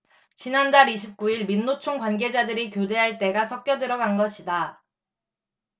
지난달 이십 구 일 민노총 관계자들이 교대할 때 가 섞여 들어간 것이다